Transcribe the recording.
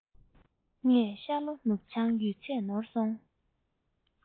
ངས ཤར ལྷོ ནུབ བྱང ཡོད ཚད ནོར སོང